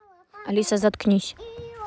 алиса заткнись